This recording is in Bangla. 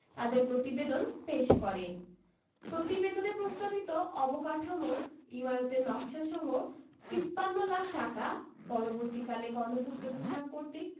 তাদের প্রতিবেদন পেশ করে প্রতিবেদনে প্রস্তাবিত অবকাঠামোর ইমারতের নকশাসহ ৫৩ লাখ টাকা পরবর্তীকালে গণপূর্ত বিভাগ কর্তৃক